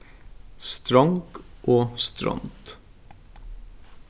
strong og strond